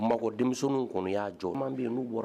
Mabɔkɔ denmisɛnnin kɔnɔ y'a jɔ yen n' bɔra